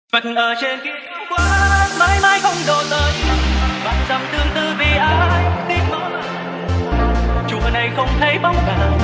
phật ở trên kia cao quá mãi mãi không độ tới nàng vạn dặm tương tư vì ai tiếng mõ vang lên phũ phàng chùa này không thấy bóng nàng